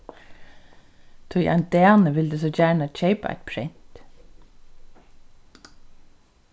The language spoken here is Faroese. tí ein dani vildi so gjarna keypa eitt prent